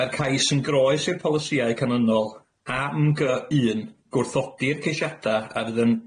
Mae'r cais yn groes i'r polisïau canlynol a my gy un gwrthodi'r ceisiadau a fydd yn